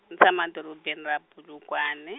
tshama dorobeni ra Polokwane.